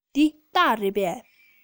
འདི སྟག རེད པས